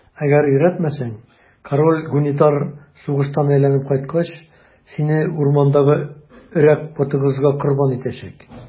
Әгәр өйрәтмәсәң, король Гунитар сугыштан әйләнеп кайткач, сине урмандагы Өрәк потыгызга корбан итәчәк.